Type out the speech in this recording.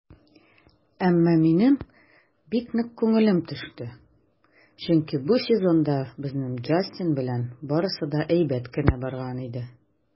Әмма минем бик нык күңелем төште, чөнки бу сезонда безнең Джастин белән барысы да әйбәт кенә барган иде.